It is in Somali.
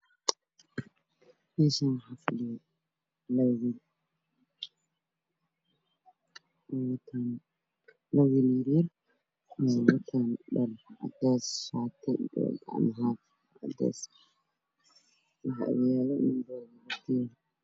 Meeshaan waxaa fadhiyo labo wiil waxay wataan boonbalo yaryar iyo dhar shaar cadeys ah.